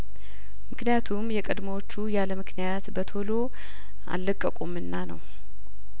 ምክንያቱም የቀድሞዎቹ ያለምክንያት በቶሎ አልለቀቁምና ነው